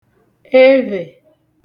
evhè